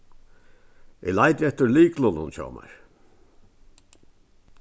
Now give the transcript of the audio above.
eg leiti eftir lyklunum hjá mær